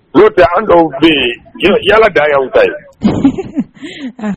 No tɛ an dɔw be yen yala dan yan ta ye.